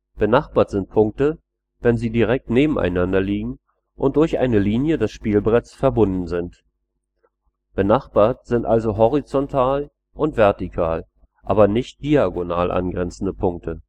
Benachbart sind Punkte, wenn sie direkt nebeneinander liegen und durch eine Linie des Spielbretts verbunden sind. Benachbart sind also horizontal und vertikal, aber nicht diagonal angrenzende Punkte